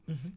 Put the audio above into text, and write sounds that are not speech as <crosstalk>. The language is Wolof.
<hesitation> <hesitation>